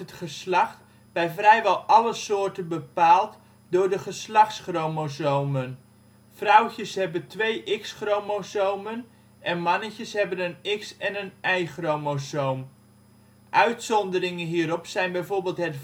geslacht bij vrijwel alle soorten bepaald door de geslachtschromosomen: vrouwtjes hebben twee X-chromosomen en mannetjes hebben een X - en een Y-chromosoom. Uitzonderingen hierop zijn bijvoorbeeld het